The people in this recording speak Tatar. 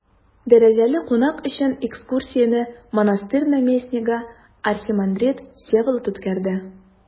Дәрәҗәле кунак өчен экскурсияне монастырь наместнигы архимандрит Всеволод үткәрде.